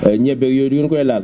ñebe ak yooyu du ngeen koy laal